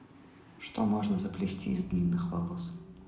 что можно заплести из длинных волосов